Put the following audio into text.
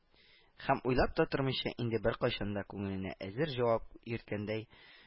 —һәм уйлап та тормыйча, инде беркайчан да күңеленә әзер җавап йөрткәндәй